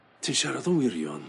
Ti'n siarad n wirion.